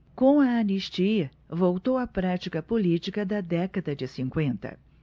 com a anistia voltou a prática política da década de cinquenta